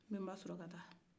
nbenba sulakata